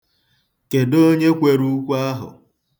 Kedụ onye kwere ukwe ahụ.